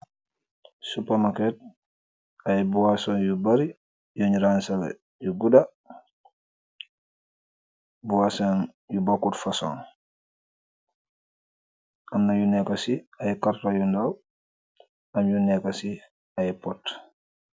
Supermarket, aiiy boisson yu bari yungh raanzaleh yu guda, boisson yu bokut fason, amna yu neka ci aiiy karton yu ndaw, am yu neka ci aiiy pot.